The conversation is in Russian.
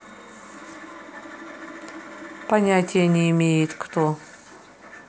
понятия не имеет кто